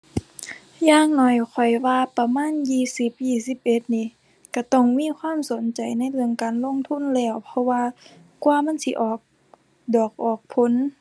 อย่างน้อยข้อยว่าประมาณยี่สิบยี่สิบเอ็ดนี่ ก็ต้องมีความสนใจในเรื่องการลงทุนแล้ว เพราะว่ากว่ามันสิออกดอกออกผล